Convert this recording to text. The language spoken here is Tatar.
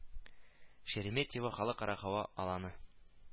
Шереметьево Халыкара һава аланы